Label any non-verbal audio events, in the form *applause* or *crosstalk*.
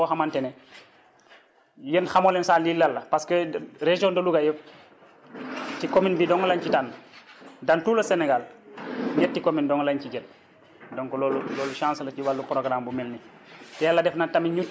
mais dafa nekk chance boo xamante ne yéen xamoo leen sax lii lan la parce que région de Louga yëpp *noise* ci commune bi dong lañ ci tànn dans tout le Sénégal *noise* ñetti communes dong lañ ci jël donc loolu *noise* loolu chance la ci wàllu programme bu mel nii